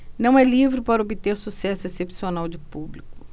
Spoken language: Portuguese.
não é livro para obter sucesso excepcional de público